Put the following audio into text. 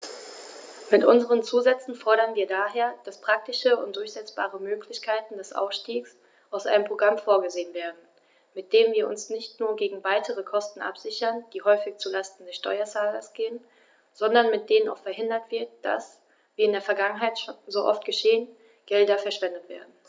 Mit unseren Zusätzen fordern wir daher, dass praktische und durchsetzbare Möglichkeiten des Ausstiegs aus einem Programm vorgesehen werden, mit denen wir uns nicht nur gegen weitere Kosten absichern, die häufig zu Lasten des Steuerzahlers gehen, sondern mit denen auch verhindert wird, dass, wie in der Vergangenheit so oft geschehen, Gelder verschwendet werden.